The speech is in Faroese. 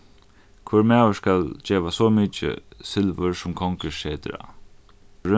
hvør maður skal geva so mikið silvur sum kongur setur á